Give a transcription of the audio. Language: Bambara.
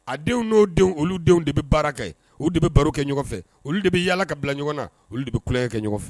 A denw n' denw olu denw de bɛ baara kɛ olu de bɛ baro kɛ ɲɔgɔnfɛ olu de bɛ yaa ka bila ɲɔgɔn na olu de bɛ tulon kɛ ɲɔgɔnfɛ